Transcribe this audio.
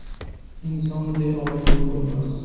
inson beorzu bo'lmas